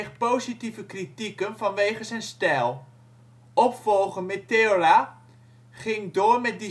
positieve kritieken vanwege zijn stijl. Opvolger Meteora ging door met